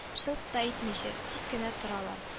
Шылт та итмичә, тик кенә торалар